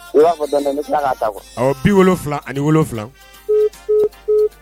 I ba fɔ dɔɔni dɔɔni. N bi kila ka ta. awɔ 77